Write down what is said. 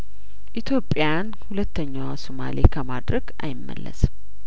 ኢትዮጵያን ሁለተኛዋ ሶማሌ ከማድረግ አይመለስም